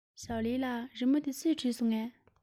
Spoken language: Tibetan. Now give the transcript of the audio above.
ཞོའོ ལིའི ལགས རི མོ འདི སུས བྲིས སོང ངས